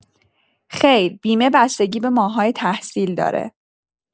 خیر بیمه بستگی به ماه‌های تحصیل داره